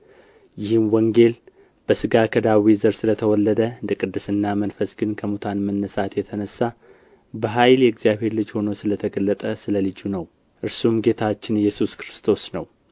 ይህም ወንጌል በሥጋ ከዳዊት ዘር ስለ ተወለደ እንደ ቅድስና መንፈስ ግን ከሙታን መነሣት የተነሣ በኃይል የእግዚአብሔር ልጅ ሆኖ ስለ ተገለጠ ስለ ልጁ ነው እርሱም ጌታችን ኢየሱስ ክርስቶስ ነው